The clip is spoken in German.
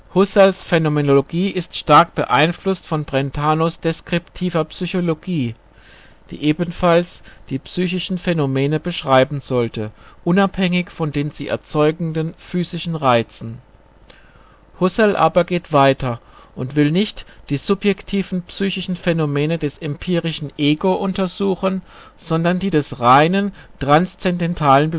Husserls Phänomenologie ist stark beeinflusst von Brentanos deskriptiver Psychologie, die ebenfalls die psychischen Phänomene beschreiben sollte, unabhängig von den sie erzeugenden physischen Reizen. Husserl geht aber weiter und will nicht die subjektiven psychischen Phänomene des empirischen Ego untersuchen, sondern die des reinen, transzendentalen